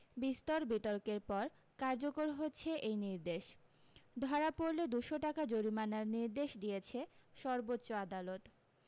বিস্তর বিতর্কের পর কার্যকর হচ্ছে এই নির্দেশ ধরা পড়লে দুশো টাকা জরিমানার নির্দেশ দিয়েছে সর্ব্বোচ্চ আদালত